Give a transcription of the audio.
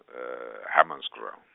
Hammanskraal.